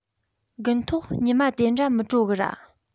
དགུན ཐོག ཉི མ དེ འདྲ མི དྲོ གི ར